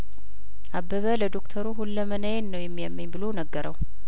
አበበ ለዶክተሩ ሁለመናዬን ነው የሚያመኝ ብሎ ነገረው